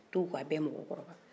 t' u kɔ a bɛɛ ye mɔgɔkɔba